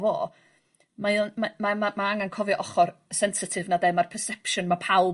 fo mae o'n ma' ma' ma' angen cofio ochor sensitif 'na 'de ma'r perception ma' pawb